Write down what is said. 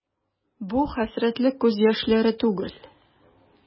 Бу хәсрәтле күз яшьләре түгел.